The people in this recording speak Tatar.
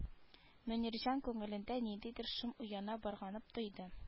Мөнирҗан күңелендә ниндидер шом уяна барганып тойды